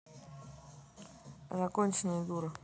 законченная дура